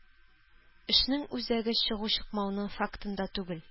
Эшнең үзәге чыгу-чыкмауның фактында түгел.